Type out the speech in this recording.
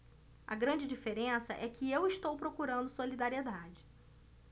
a grande diferença é que eu estou procurando solidariedade